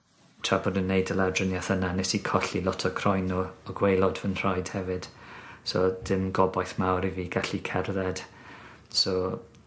Tra bod nw'n neud y lawdrinieth yna nes i colli lot o croen o o gwaelod fy nhraed hefyd so odd dim gobaith mawr i fi gallu cerdded so